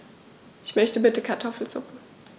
Ich möchte bitte Kartoffelsuppe.